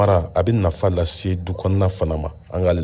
a bɛ nafa lase du kɔnɔna fana na an k'ale lamɛn